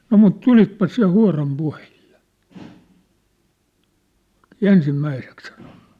no mutta tulitpa sinä huoran puheille ensimmäiseksi sanonut